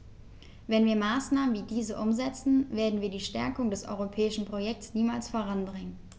Wenn wir Maßnahmen wie diese umsetzen, werden wir die Stärkung des europäischen Projekts niemals voranbringen.